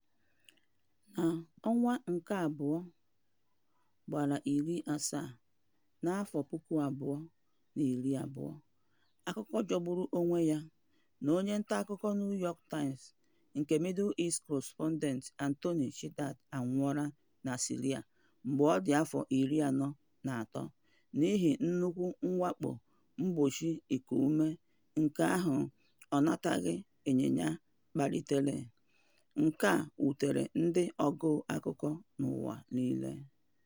Na Febụwarị 17, 2012, akụkọ jọgburu onwe ya na onye ntaakụkọ New York Times nke Middle East Correspondent Anthony Shadid anwụọla na Syria mgbe ọ dị afọ 43, n'ihi nnukwu mwakpo mgbochi ikuume nke ahụ anataghị ịnyịnya kpalitere, nke a wutere ndị ọgụụ akụkọ n'ụwa niile.